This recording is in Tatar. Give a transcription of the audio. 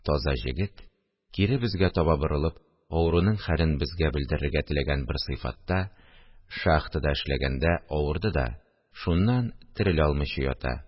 Таза җегет, кире безгә таба борылып, авыруның хәлен безгә белдерергә теләгән бер сыйфатта: – Шахтада эшләгәндә авырды да шуннан терелә алмыйча ята